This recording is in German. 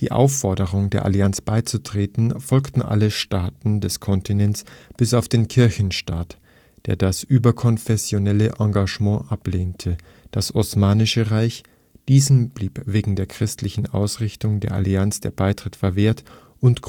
Aufforderung, der Allianz beizutreten, folgten alle Staaten des Kontinents bis auf den Kirchenstaat, der das überkonfessionelle Engagement ablehnte, das Osmanische Reich (diesem blieb wegen der christlichen Ausrichtung der Allianz der Beitritt verwehrt) und